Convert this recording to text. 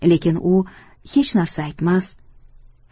lekin u hech narsa aytmas